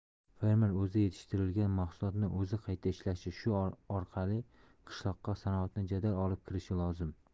fermer o'zi yetishtirgan mahsulotni o'zi qayta ishlashi shu orqali qishloqqa sanoatni jadal olib kirishi lozim